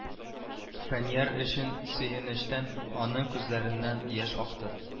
Фәнияр өчен сөенечтән аны күзләреннән яшь акты